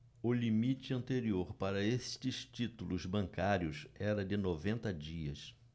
o limite anterior para estes títulos bancários era de noventa dias